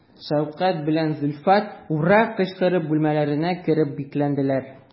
Шәүкәт белән Зөлфәт «ура» кычкырып бүлмәләренә кереп бикләнделәр.